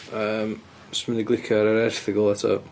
Yym dwi jyst mynd i glicio ar yr erthygl eto.